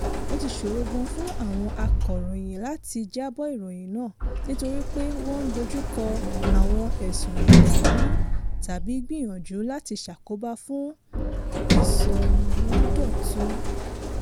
Ó ti ṣòro gan-an fún àwọn akọ̀ròyìn láti jábọ̀ ìròyìn náà, nítorípé wọ́n ń dojúkọ àwọn ẹ̀sùn "ìdàlúrú" tàbí "gbìyànjú láti ṣàkóbá fún ìsọ̀lúdọ̀tun".